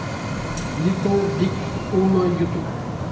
литтл биг уно ютуб